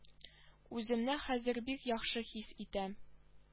Үземне хәзер бик яхшы хис итәм